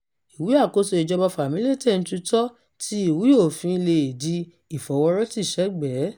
Ìwà àkóso ìjọba fàmílétèntutọ́, tí ìwé òfin lè di ìfọwọ́rọ́tìsẹ́gbẹ̀ẹ́...